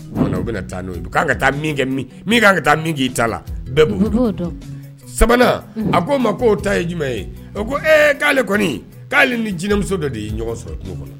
Bamanan bɛna taa n'o' ka taa' ka taa min k'i ta la bɛɛ sabanan a ko ma k ta ye ɲuman ye ko k'ale kɔni k'ale ni jinɛmuso dɔ de y' ɲɔgɔn sɔrɔ